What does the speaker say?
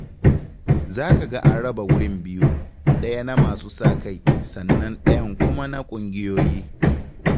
Za ka ga an raba wurin biyu: ɗaya na masu sa-kai sannan ɗanyan kuma na ƙungiyoyi.